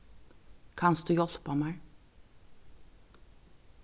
kanst tú hjálpa mær